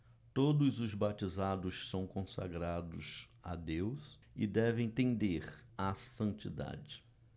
todos os batizados são consagrados a deus e devem tender à santidade